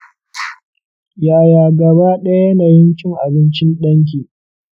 yaya gaba daya yanayin cin abincin danki?